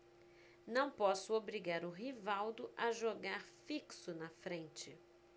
não posso obrigar o rivaldo a jogar fixo na frente